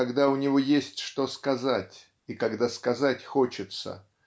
когда у него есть что сказать и когда сказать хочется.